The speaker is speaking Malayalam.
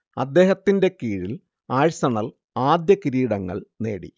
അദ്ദേഹത്തിന്റെ കീഴിൽ ആഴ്സണൽ ആദ്യ കിരീടങ്ങൾ നേടി